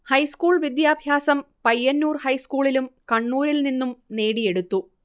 high school വിദ്യാഭ്യാസം പയ്യന്നൂർ ഹൈസ്കൂളിലും കണ്ണൂരിൽ നിന്നും നേടിയെടുത്തു